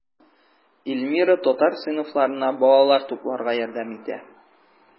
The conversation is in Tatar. Эльмира татар сыйныфларына балалар тупларга ярдәм итә.